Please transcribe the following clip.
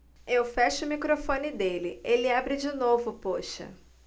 eu fecho o microfone dele ele abre de novo poxa